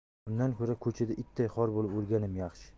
undan ko'ra ko'chada itday xor bo'lib o'lganim yaxshi